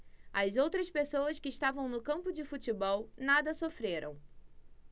as outras pessoas que estavam no campo de futebol nada sofreram